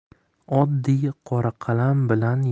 oddiy qora qalam bilan